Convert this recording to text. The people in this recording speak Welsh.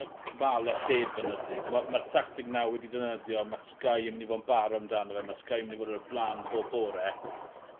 y cymale lled fynyddig. Ma' ma'r tactig 'na wedi defnyddio ,a' Sky yn myn' i fo' yn barod amdano fe ma Sky myn' i fod ar y bla'n bob bore.